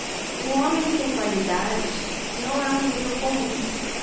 o homem sem qualidades não é um livro comum